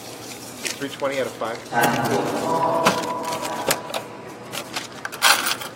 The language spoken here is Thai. ฉันปวดข้อเหมือนข้อจะอักเสบ